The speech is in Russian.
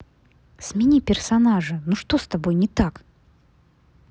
смени персонажа ну что с тобой не так